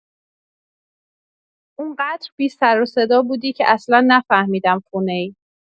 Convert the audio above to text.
اون‌قدر بی‌سروصدا بودی که اصلا نفهمیدم خونه‌ای.